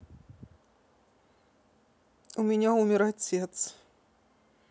у меня умер отец